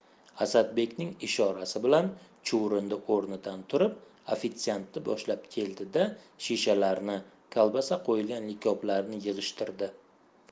asadbekning ishorasi bilan chuvrindi o'rnidan turib ofitsiantni boshlab keldi da shishalarni kolbasa qo'yilgan likoplarni yig'ishtirdi